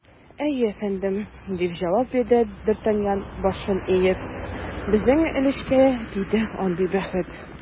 Әйе, әфәндем, - дип җавап бирде д’Артаньян, башын иеп, - безнең өлешкә тиде андый бәхет.